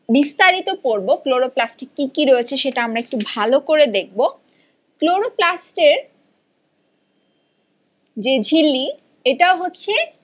বিস্তারিত পড়বো ক্লোরোপ্লাস্ট এ কি কি রয়েছে সেটা আমরা একটু ভালো করে দেখব ক্লোরোপ্লাস্টের যে ঝিল্লি এটা হচ্ছে